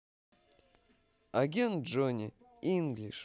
агент джонни инглиш